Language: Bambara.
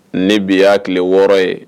Ne bi ye hakili wɔɔrɔ ye